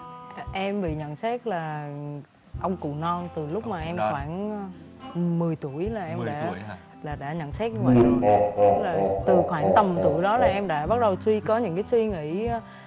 em bị nhận xét là ông cụ non từ lúc mà em khoảng mười tuổi là em đã là đã nhận xét như vậy rồi tức là từ khoảng tầm tuổi đó là em đã bắt đầu truy cớ những cái suy nghĩ ơ